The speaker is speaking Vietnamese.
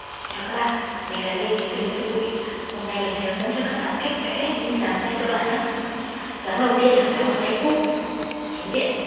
chào các bạn mình là linh đến từ mỹ thuật bụi hôm nay mình sẽ hướng dẫn cho các bạn cách vẽ những dáng tay cơ bản dáng đầu tiên là dáng bàn tay úp chính diện